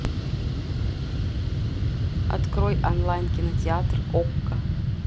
открой онлайн кинотеатр окко